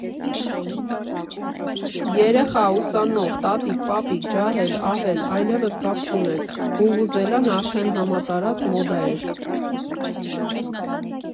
Երեխա, ուսանող, տատիկ, պապիկ, ջահել֊ահել, այլևս կապ չուներ, վուվուզելան արդեն համատարած մոդա էր։